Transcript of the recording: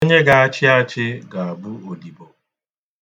Onye ga-achị achị ga-abụ odibo.